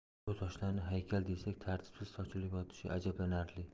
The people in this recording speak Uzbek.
bu toshlarni haykal desak tartibsiz sochilib yotishi ajablanarli